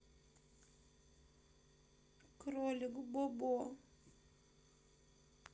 кролик бо бо